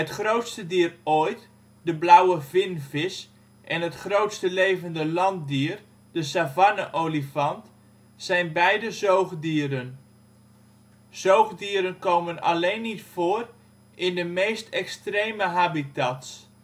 grootste dier ooit (de blauwe vinvis) en het grootste levende landdier (de savanneolifant) zijn beide zoogdieren. Zoogdieren komen alleen niet voor in de meest extreme habitats